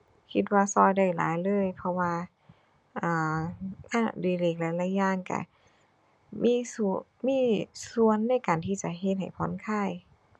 คิดว่าช่วยได้หลายเลย เพราะว่า อ่า งานอดิเรกหลายหลายอย่างช่วยมีสั่ว มีส่วนในการที่จะเฮ็ดให้ผ่อนคลาย